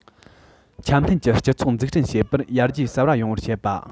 འཆམ མཐུན གྱི སྤྱི ཚོགས འཛུགས སྐྲུན བྱེད པར ཡར རྒྱས གསར པ ཡོང བར བྱེད པ